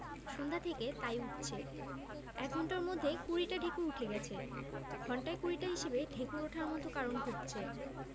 সন্ধ্যা থেকে তাই উঠছে এক ঘণ্টার মধ্যে কুড়িটা ঢেকুর ওঠে গেছে ঘণ্টায় কুড়িটা হিসেবে ঢেকুর ওঠার মত কারণ ঘটছে